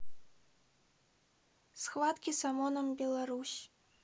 схватки с омоном беларусь